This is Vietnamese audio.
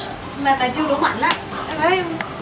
mà tại chưa đủ mạnh á em thấy ờ